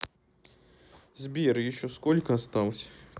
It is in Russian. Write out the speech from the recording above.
сбер еще сколько осталось